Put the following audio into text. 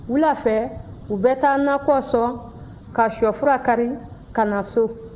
wula fɛ u bɛ taa nakɔ sɔn ka shɔfura kari ka na so